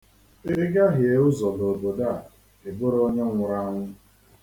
I gahie ụzọ n'obodo a, ị bụrụ onye nwụrụ anwụ.